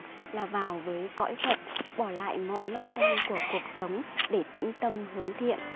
là vào với cõi phật bỏ lại mọi lo toan của cuộc sống để tĩnh tâm hướng thiện